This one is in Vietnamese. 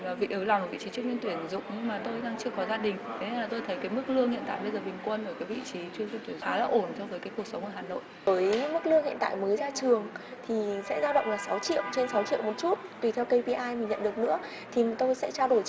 và việc nới lỏng một vị trí chức danh tuyển dụng mà tôi đang chưa có gia đình thế là tôi thấy cái mức lương hiện tại bây giờ bình quân ở các vị trí thứ khá ổn cho cái cuộc sống ở hà nội với mức lương hiện tại mới ra trường thì sẽ dao động là sáu triệu trên sáu triệu một chút tùy theo cây pi ai mình nhận được nữa thì tôi sẽ trao đổi